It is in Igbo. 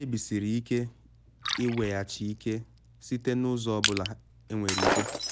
“Ha kpebisiri ike iweghachi ike site n’ụzọ ọ bụla enwere ike.